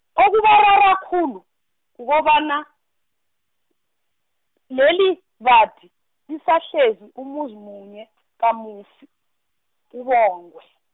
okubarara khulu, kukobana, lelibadi lisahlezi umuzi munye , kamufi, uBongwe.